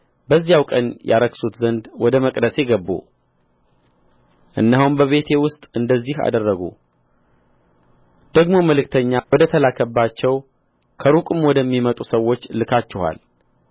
በዚያው ቀን ያረክሱት ዘንድ ወደ መቅደሴ ገቡ እነሆም በቤቴ ውስጥ እንደዚህ አደረጉ ደግሞ መልእክተኛ ወደ ተላከባቸው ከሩቅም ወደሚመጡ ሰዎች ልካችኋል